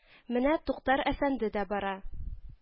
Менә Туктар әфәнде дә бара